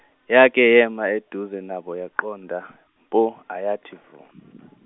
yake yema eduze nabo yaqonda mpo ayathi vu .